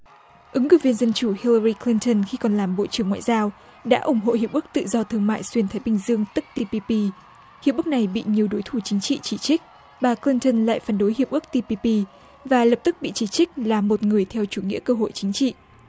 ứng cử viên dân chủ hi lơ ry cờ lin tơn khi còn làm bộ trưởng ngoại giao đã ủng hộ hiệp ước tự do thương mại xuyên thái bình dương tức ti pi pi hiệp ước này bị nhiều đối thủ chính trị chỉ trích bà cờ lin tơn lại phản đối hiệp ước ti pi pi và lập tức bị chỉ trích là một người theo chủ nghĩa cơ hội chính trị